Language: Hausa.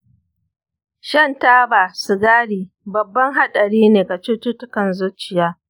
shan taba sigari babban haɗari ne ga cututtukan zuciya.